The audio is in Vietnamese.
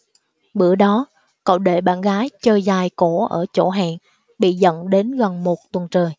bữa đó cậu để bạn gái chờ dài cổ ở chỗ hẹn bị giận đến gần một tuần trời